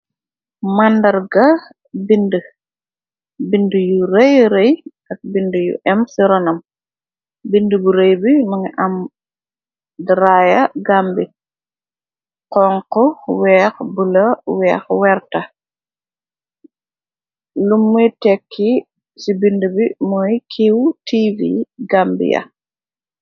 màndar ga bind bind yu rëy rëy ak bind yu em ci ronam bind bu rëy bi nunga am draya gambi conx weex bu la weex werta lu muy tekki ci bind bi mooy kiiw tv gambi ya